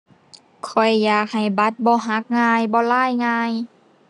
ข้อยอยากให้บัตรบ่หักง่าย บ่ลายง่าย